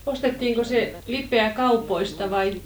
ostettiinko se lipeä kaupoista vai